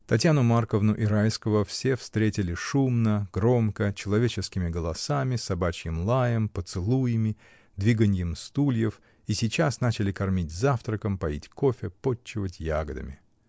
Татьяну Марковну и Райского все встретили шумно, громко, человеческими голосами, собачьим лаем, поцелуями, двиганьем стульев и сейчас начали кормить завтраком, поить кофе, потчевать ягодами.